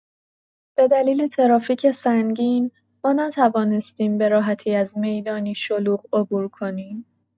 به دلیل ترافیک سنگین، ما نتوانستیم به راحتی از می‌دانی شلوغ عبور کنیم.